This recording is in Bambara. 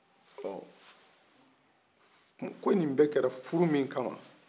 ɔ ko nin bɛɛ kɛra furu min kaman